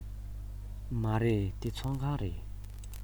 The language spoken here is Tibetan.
མ རེད འདི ཚོང ཁང རེད